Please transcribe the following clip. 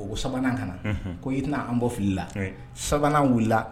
Sabanan ka ko i tɛna an bɔ fili la sabanan wulila